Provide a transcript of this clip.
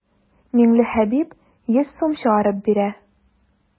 Миңлехәбиб йөз сум чыгарып бирә.